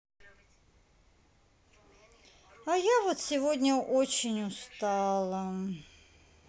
а я вот сегодня очень устала